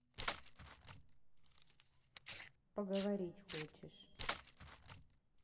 поговорить хочешь